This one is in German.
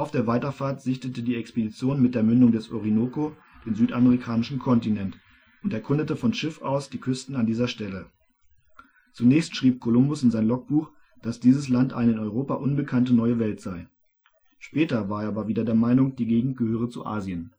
der Weiterfahrt sichtete die Expedition mit der Mündung des Orinoco den südamerikanischen Kontinent und erkundete von Schiff aus die Küsten an dieser Stelle. Zunächst schrieb Kolumbus in sein Logbuch, dass dieses Land eine in Europa unbekannte Neue Welt sei. Später war er aber wieder der Meinung, die Gegend gehöre zu Asien